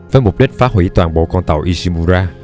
với mục đích phá huỷ toàn bộ con tàu ishimura